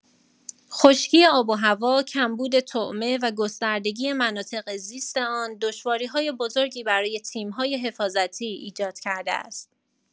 خشکی آب‌وهوا، کمبود طعمه و گستردگی مناطق زیست آن، دشواری‌های بزرگی برای تیم‌های حفاظتی ایجاد کرده است.